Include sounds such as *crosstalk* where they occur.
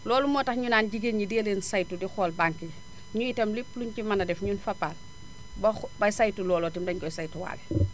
loolu moo tax ñu naan jigéen ñi dee leen saytu di xool banques yi ñun itam lépp lu ñu ci mën a def ñun Fapal ba xo ba saytu loola itam dañu koy saytuwaale *noise*